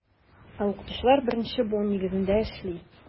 Ә укытучылар беренче буын нигезендә эшли.